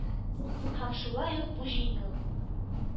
Һәм, шулай ук, бу җиңү